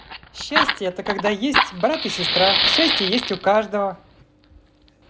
счастье это когда есть брат и сестра счастье есть у каждого